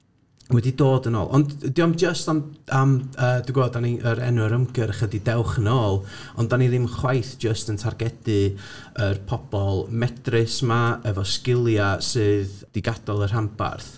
Wedi dod yn ôl, ond 'di o'm jyst am am yy... dwi'n gwbod dan ni'n yy... enw'r ymgyrch ydy Dewch yn Ôl, ond dan ni ddim chwaith jyst yn targedu yr pobl medrus 'ma efo sgiliau, sydd 'di gadael y rhanbarth.